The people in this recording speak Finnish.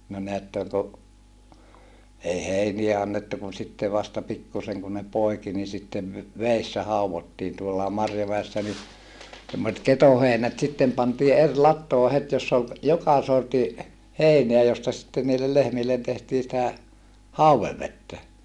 no näette kun ei heiniä annettu kun sitten vasta pikkuisen kun ne poiki niin sitten vedessä haudottiin tuollakin Marjomäessä niin semmoiset ketoheinät sitten pantiin eri latoon heti jossa oli joka sortin heinää josta sitten niille lehmille tehtiin sitä haudevettä